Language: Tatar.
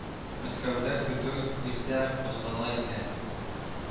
Мәскәүдә көтү иртә кузгала икән